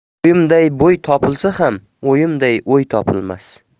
bo'yimday bo'y topilsa ham o'yimday o'y topilmas